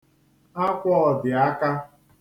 akwaọ̀dịaka